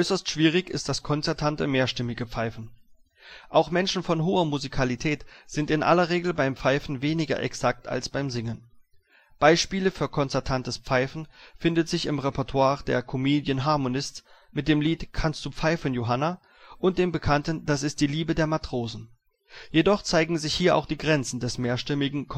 Äußerst schwierig ist das konzertante mehrstimmige Pfeifen. Auch Menschen von hoher Musikalität sind in aller Regel beim Pfeifen weniger exakt als beim Singen. Beispiele für konzertantes Pfeifen findet sich im Repertoire der Comedian Harmonists mit dem Lied Kannst du pfeifen, Johanna und dem bekannten Das ist die Liebe der Matrosen, jedoch zeigen sich hier auch die Grenzen des mehrstimmigen